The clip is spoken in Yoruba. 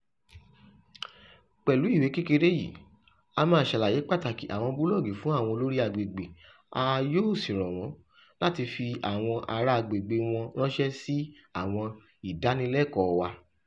Pẹ̀lú ìwé kékeré yìí, a máa ṣàlàyé pàtàkì àwọn búlọ́ọ́gì fún àwọn olórí agbègbè a yóò sì rọ̀ wọ́n láti fi àwọn ará agbègbè wọn ráńṣẹ́ sí àwọn ìdánilẹ́kọ̀ọ́ wa.